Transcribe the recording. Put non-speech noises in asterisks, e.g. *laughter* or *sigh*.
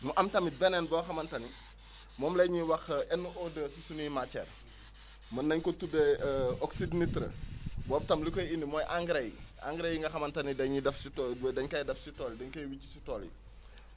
mu am tamit beneen boo xamante ni moom la ñuy wax NO2 si suñuy matières mën nañu ko tuddee *hesitation* oxyde nitreux boobu itam lu koy indi mooy engrais yi engrais yi nga xamante ni dañuy def si tool dañu koy def si tool dañ koy wicci si ool yi